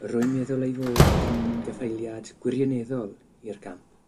Rwy'n meddwl ei fod yn gaffaeliad gwirioneddol i'r gamp,